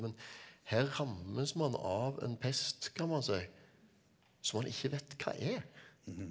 men her rammes man av en pest kan man si som man ikke vet hva er.